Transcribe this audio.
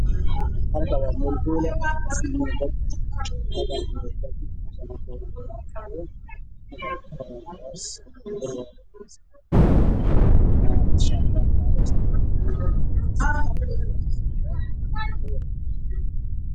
Hal kaan waa meel hool ah